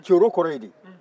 celo kɔrɔ ye di